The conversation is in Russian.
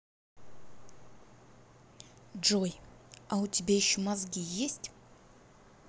джой а у тебя еще мозги есть